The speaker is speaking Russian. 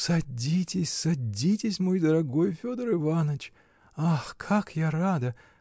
-- Садитесь, садитесь, мой дорогой Федор Иваныч. Ах, как я рада!